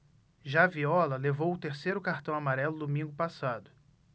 já viola levou o terceiro cartão amarelo domingo passado